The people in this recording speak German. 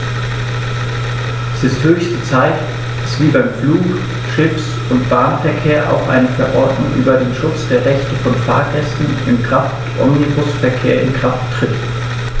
Es ist höchste Zeit, dass wie beim Flug-, Schiffs- und Bahnverkehr auch eine Verordnung über den Schutz der Rechte von Fahrgästen im Kraftomnibusverkehr in Kraft tritt.